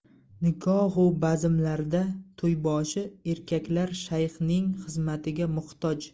nikohu bazmlarda to'yboshi erkaklar shayxning xizmatiga muhtoj